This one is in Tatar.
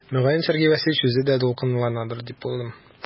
Мөгаен Сергей Васильевич үзе дә дулкынланадыр дип уйлыйм.